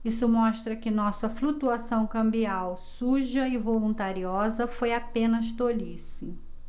isso mostra que nossa flutuação cambial suja e voluntariosa foi apenas tolice